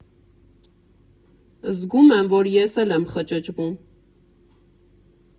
Զգում եմ, որ ես էլ եմ խճճվում։